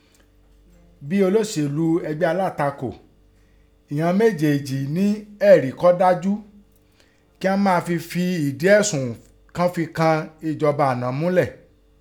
Bí olóṣèlú ẹgbẹ́ alátakò, ìghọn méjèèjì í ní ẹ̀rí kọ́ dájú kí ghọ́n máa fi fi ìdí ẹ̀sùn kan fi kan ẹ̀jọba àná múlẹ̀.